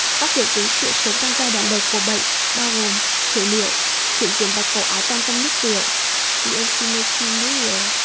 các triệu chứng xuất hiện sớm trong giai đoạn đầu của bệnh bao gồm thiểu niệu và hiện diện bạch cầu ái toan trong nước tiểu